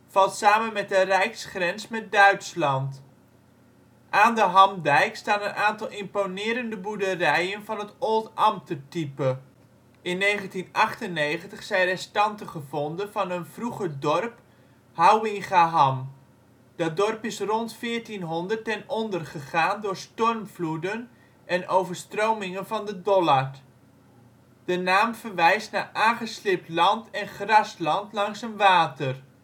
samen met de rijksgrens met Duitsland. Aan de Hamdijk staan een aantal imponerende boerderijen van het Oldambtertype. In 1998 zijn restanten gevonden van een vroeger dorp Houwingaham. Dat dorp is rond 1400 ten onder gegaan door stormvloeden en overstromingen van de Dollard. De naam verwijst naar aangeslibd land en grasland langs een water